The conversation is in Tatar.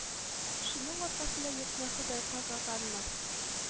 Шуның аркасында йортны ходай каргаганмы